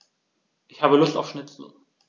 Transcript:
Ich habe Lust auf Schnitzel.